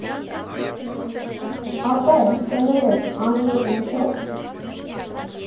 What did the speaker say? Ապե, կներես, անունդ ինչ է՞ր։